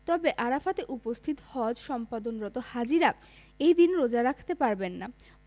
তবে আরাফাতে উপস্থিত হজ সম্পাদনরত হাজিরা এই দিন রোজা রাখতে পারবেন না